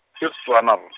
se Setswana r-.